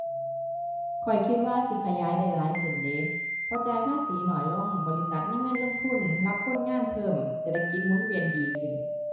ข้อยคิดว่าสิขยายได้หลายขึ้นเดะ เพราะจ่ายภาษีน้อยลง บริษัทมีเงินลงทุน รับคนงานเพิ่ม เศรษฐกิจหมุนเวียนดีขึ้น